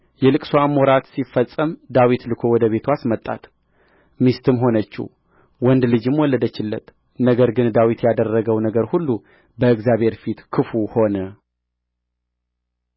የልቅሶዋም ወራት ሲፈጸም ዳዊት ልኮ ወደ ቤቱ አስመጣት ሚስትም ሆነችው ወንድ ልጅም ወለደችለት ነገር ግን ዳዊት ያደረገው ነገር ሁሉ በእግዚአብሔር ፊት ክፉ ሆነ